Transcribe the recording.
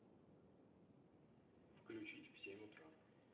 включить в семь утра